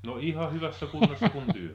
no ihan hyvässä kunnossa kuin te